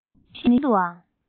ལོ རྒྱུས ནི ཤིན ཏུའང